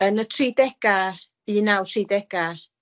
Yn y tri dega, un naw tri dega,